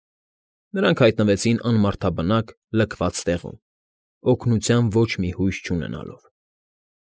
Նրանք հայտնվեցին անմարդաբնակ, լքված տեղում՝ օգնության ոչ մի հույս չունենալով։